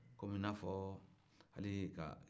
kɔmi inafɔ hali ka